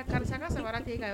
Karisa ka samara tɛ kan